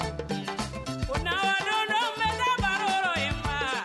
Sanunɛ mala bɛ kato in ma